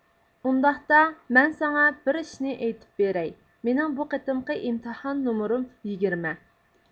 ئۇنداقتا مەن ساڭا بىر ئىشنى ئېيتىپ بېرەي مېنىڭ بۇ قېتىمقى ئىمتىھان نومۇرۇم يىگىرمە